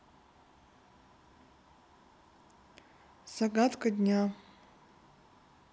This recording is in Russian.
загадки дня